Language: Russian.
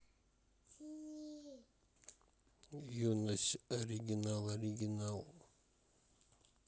юность оригинал оригинал